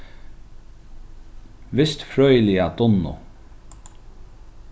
vistfrøðiliga dunnu